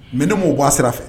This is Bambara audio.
Mɛen maaw b ba a sira fɛ